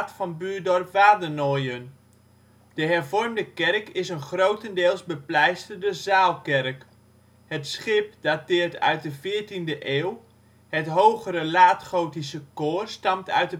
van buurdorp Wadenoijen. De hervormde kerk is een grotendeels bepleisterde zaalkerk. Het schip dateert uit de 14e eeuw. Het hogere laat-gotische koor stamt uit